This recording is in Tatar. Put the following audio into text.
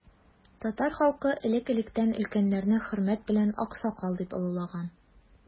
Татар халкы элек-электән өлкәннәрне хөрмәт белән аксакал дип олылаган.